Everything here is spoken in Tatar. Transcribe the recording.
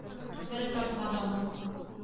Әлфиянең күзләреннән яшь тәгәрәде.